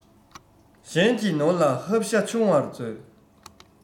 གཞན གྱི ནོར ལ ཧབ ཤ ཆུང བར མཛོད